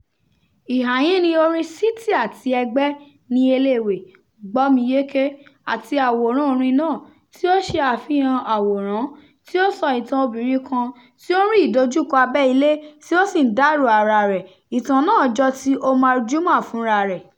Híhàyín ni orin Siti àti Ẹgbẹ́ “Nielewe” (“Gbó mi yéké”) àti àwòrán orin náà, tí ó ṣe àfihàn-an àwòrán-an, tí ó sọ ìtàn obìnrin kan tí ó ń rí ìdojúkọ abẹ̀-ilé, tí ó sì ń dárò ara rẹ̀. Ìtàn náà jọ ti Omar Juma fúnra rẹ̀: